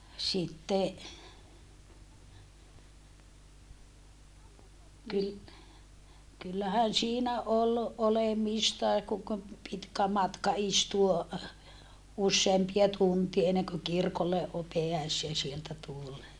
sitten - kyllähän siinä oli olemistakin kun - pitkä matka istua useampia tunteja ennen kuin kirkolle - pääsee sieltä tullen